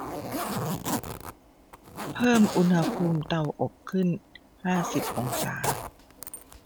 เพิ่มอุณหภูมิเตาอบขึ้นห้าสิบองศา